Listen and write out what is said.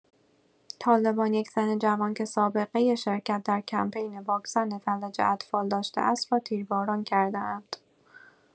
طالبان یک زن جوان که سابقه شرکت در کمپین واکسن فلج اطفال داشته است را تیرباران کرده‌اند.